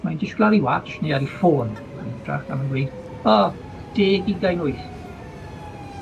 Mae'n disgwl ar 'i watsh neu ar 'i ffôn yn ytrach, a mae'n gweud, o, deg ugain wyth.